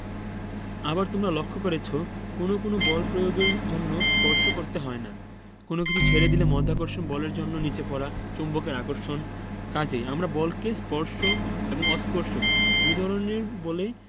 আবার তোমরা লক্ষ করেছ কোনো কোনো বল প্রয়োগের জন্য স্পর্শ করতে হয় না কোনো কিছু ছেড়ে দিলে মাধ্যাকর্ষণ বলের জন্য নিচে পড়া চুম্বকের আকর্ষণ কাজেই আমরা বলকে স্পর্শ এবং অস্পর্শ দুই ধরনের বলে